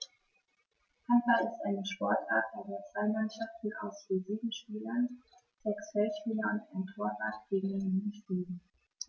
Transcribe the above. Handball ist eine Sportart, bei der zwei Mannschaften aus je sieben Spielern (sechs Feldspieler und ein Torwart) gegeneinander spielen.